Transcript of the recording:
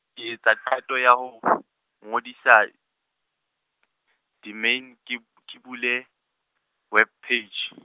ke etsa qeto ya ho , ngodisa, domeine ke b-, ke bule, web page .